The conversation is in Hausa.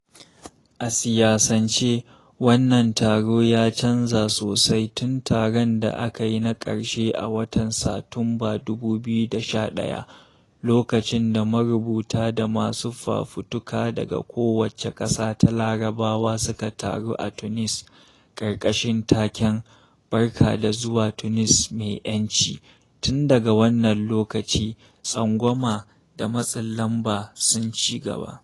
A siyasan ce wannan taron ya canza sosai tun taron da aka yi na karshe a watan Satumban 2011. Lokacin da marubuta da masu fafutuka daga kowace ƙasa ta Larabawa suka taru a Tunis, ƙarƙashin taken: "Barka da zuwa Tunis Mai 'Yanci." Tun daga wannan lokaci, tsangwama da matsin lamba sun ci gaba.